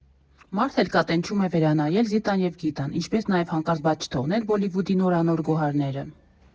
Մարդ էլ կա տենչում է վերանայել «Զիտան և Գիտան», ինչպես նաև հանկարծ բաց չթողնել Բոլիվուդի նորանոր գոհարները։